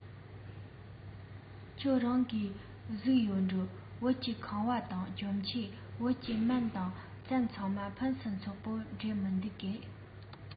ཁྱེད རང གིས གཟིགས ཡོད འགྲོ བོད ཀྱི ཁང པ དང གྱོན ཆས བོད ཀྱི སྨན དང རྩིས ཚང མ ཕུན སུམ ཚོགས པོ འདྲས མི འདུག གས